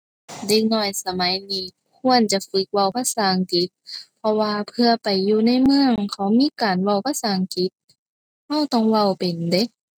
เด็กน้อยสมัยนี้ควรจะฝึกเว้าภาษาอังกฤษ เพราะว่าเผื่อไปอยู่ในเมือง เขามีการเว้าภาษาอังกฤษ เราต้องเว้าเป็นเดะ